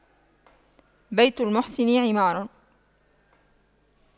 بيت المحسن عمار